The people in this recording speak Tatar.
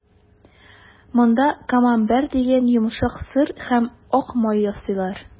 Монда «Камамбер» дигән йомшак сыр һәм ак май ясыйлар.